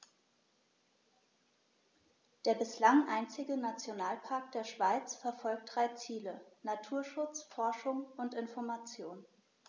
Der bislang einzige Nationalpark der Schweiz verfolgt drei Ziele: Naturschutz, Forschung und Information.